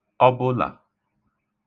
ọbụlà